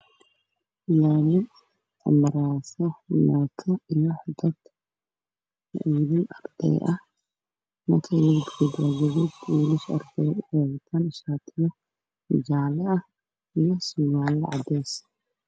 Waa wado laami ah waxaa marayo bajaaj gaduudan